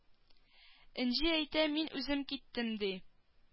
Энҗе әйтә мин үзем киттем ди